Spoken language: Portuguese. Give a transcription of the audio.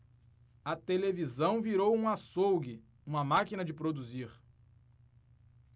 a televisão virou um açougue uma máquina de produzir